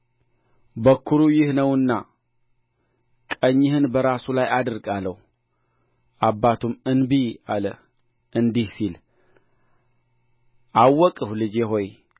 በኵሩ ይህ ነውና ቀኝህን በራሱ ላይ አድርግ አለው አባቱም እንቢ አለ እንዲህ ሲል አወቅሁ ልጄ ሆይ